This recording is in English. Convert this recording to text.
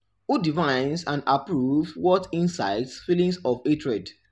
Who defines and approves what incites feelings of hatred?